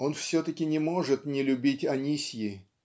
он все-таки не может не любить Анисьи